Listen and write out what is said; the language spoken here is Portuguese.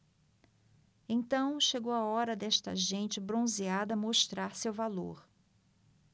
então chegou a hora desta gente bronzeada mostrar seu valor